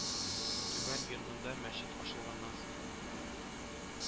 Түбән Йонныда мәчет ачылганнан соң